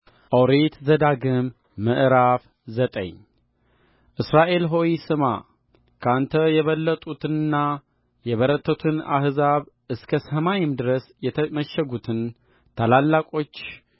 ኦሪት ዘዳግም ምዕራፍ ዘጠኝ እስራኤል ሆይ ስማ ከአንተ የበለጡትንና የበረቱትን አሕዛብ እስከ ሰማይም ድረስ የተመሸጉትን ታላላቆች